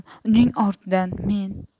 uning ortidan men